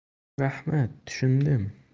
rahmat tushundim